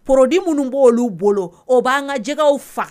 Porodi minnu b'o olu bolo o b'an ka jɛgɛw faga